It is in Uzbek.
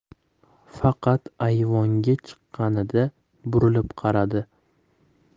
faqat ayvonga chiqqanida burilib qaradi